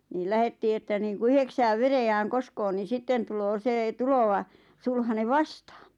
niin lähdettiin että niin kuin yhdeksään veräjään koska niin sitten tulee se tuleva sulhanen vastaan